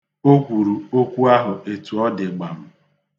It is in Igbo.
O kwuru okwu ahụ etu ọ dị gbam.